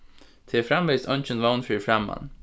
tað er framvegis eingin vón fyri framman